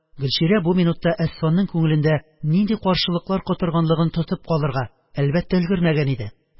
Гөлчирә бу минутта Әсфанның күңелендә нинди каршылыклар котырганлыгын тотып калырга, әлбәттә, өлгермәгән иде.